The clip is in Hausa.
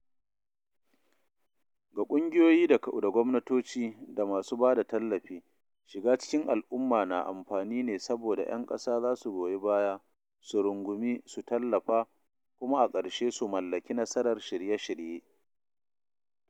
Ga kungiyoyi da gwamnatoci da masu ba da tallafi, shiga cikin al'umma na amfani ne saboda ‘yan ƙasa za su goyi baya, su rungumi, su tallafa, kuma a ƙarshe su mallaki nasarar shirye-shirye.